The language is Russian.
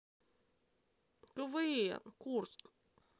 квн курск